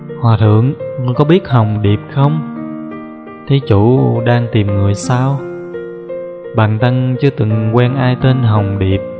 hòa thượng có biết hồng điệp không thí chủ đang tìm người sao bần tăng chưa từng quen ai tên hồng điệp